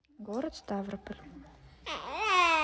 город ставрополь